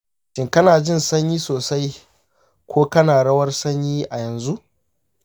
shin kana jin sanyi sosai ko kana rawar sanyi a yanzu?